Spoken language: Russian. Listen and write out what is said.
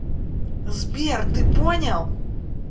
сбер ты понял